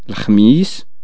لخميس